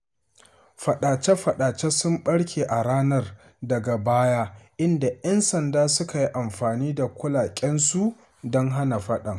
Faɗace-faɗace sun ɓarke a ranar daga baya inda ‘yan sanda suka yi amfani da kulaƙensu don hana faɗan.